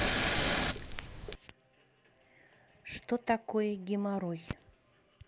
что такое геморрой